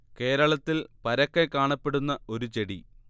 കേരളത്തിൽ പരക്കെ കാണപ്പെടുന്ന ഒരു ചെടി